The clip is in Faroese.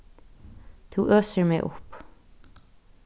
tú øsir meg upp